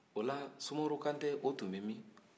o la sumaworo kantɛ o tun bɛ min